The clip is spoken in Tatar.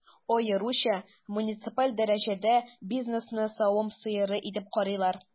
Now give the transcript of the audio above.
Аеруча муниципаль дәрәҗәдә бизнесны савым сыеры итеп карыйлар.